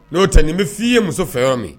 N'o ta nin n bɛ f' ii ye muso fɛ yɔrɔ min